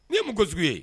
Nin ye mun ko sugu ye?